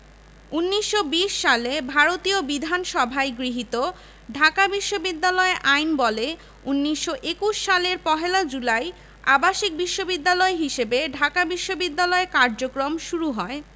লক্ষ্মীপূজা সরস্বতীপূজা দোলযাত্রা হোলি ইত্যাদি হিন্দুদের বড়দিন খ্রিস্টানদের এবং বৌদ্ধপূর্ণিমা বৌদ্ধদের প্রধান ধর্মীয় উৎসব